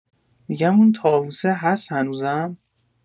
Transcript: می‌گم اون طاووسه هس هنوزم؟